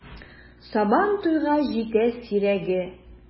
Сабан туйга җитә сирәге!